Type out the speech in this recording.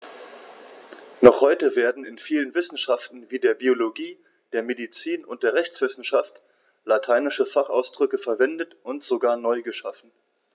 Noch heute werden in vielen Wissenschaften wie der Biologie, der Medizin und der Rechtswissenschaft lateinische Fachausdrücke verwendet und sogar neu geschaffen.